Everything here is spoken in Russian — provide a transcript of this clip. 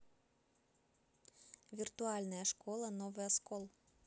виртуальная школа новый оскол